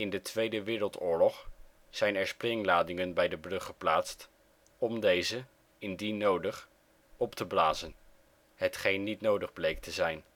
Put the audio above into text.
de Tweede Wereldoorlog zijn er springladingen bij de brug geplaatst om deze indien nodig op te blazen, hetgeen niet nodig bleek te zijn